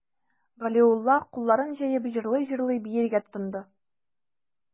Галиулла, кулларын җәеп, җырлый-җырлый биергә тотынды.